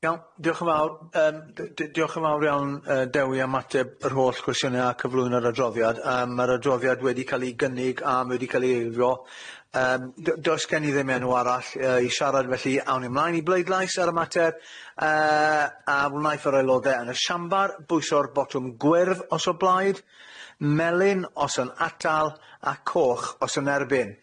Iawn diolch yn fawr, yym dy- di- diolch yn fawr iawn yy Dewi am mateb yr holl cwestiyne a cyflwyn yr adroddiad yym ma'r adroddiad wedi ca'l ei gynnig a ma' wedi ca'l ei eiddo yym, dy- does gen i ddim enw arall yy i siarad felly awn ni ymlaen i bleidlais ar y mater yy a wnaiff yr aelodde yn y siambar bwyso'r botwm gwyrdd os o blaid, melyn os yn atal, a coch os yn erbyn.